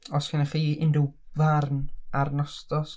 Os gennych chi unryw farn ar Nostos?